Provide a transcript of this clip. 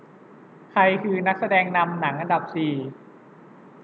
ใครคือนักแสดงนำหนังอันดับสี่